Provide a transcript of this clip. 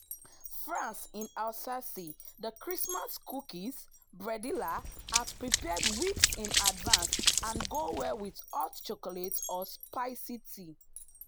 France – In Alsace the Christmas cookies, bredela, are prepared weeks in advance and go well with hot chocolate or spicy tea.